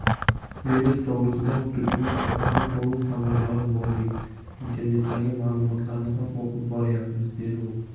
virus to'g'risida o'qituvchimiz orqali to'liq xabardor bo'ldik internetdagi ma'lumotlarni ham o'qib boryapmiz deydi u